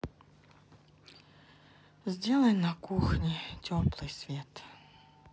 сделай на кухне теплый свет